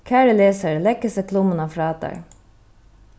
kæri lesari legg hesa klummuna frá tær